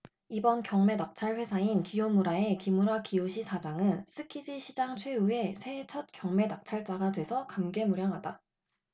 이번 경매 낙찰 회사인 기요무라의 기무라 기요시 사장은 쓰키지시장 최후의 새해 첫경매 낙찰자가 돼서 감개무량하다